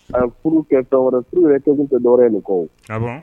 A furu yɛrɛ to tɛ ye nin kɔ